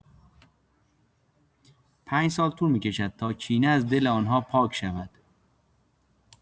پنج سال طول می‌کشد تا کینه از دل آن‌ها پاک شود.